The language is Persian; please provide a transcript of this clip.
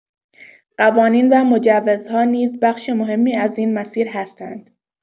قوانین و مجوزها نیز بخش مهمی از این مسیر هستند.